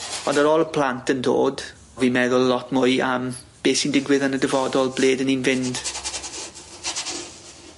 Ond ar ôl y plant yn dod fi'n meddwl lot mwy am be' sy'n digwydd yn y dyfodol ble 'dyn ni'n fynd.